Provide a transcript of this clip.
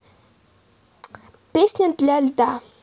песня для льда